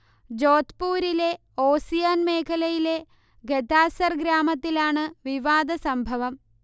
ജോധ്പുരിലെ ഓസിയാൻ മേഖലയിലെ ഖെതാസർ ഗ്രാമത്തിലാണ് വിവാദസംഭവം